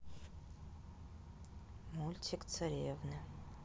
мультик царевны